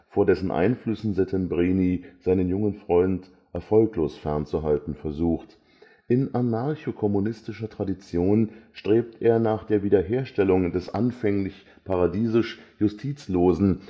vor dessen Einflüssen Settembrini seinen jungen Freund erfolglos fernzuhalten versucht. In anarcho-kommunistischer Tradition strebt er nach der Wiederherstellung des „ anfänglichen paradiesisch justizlosen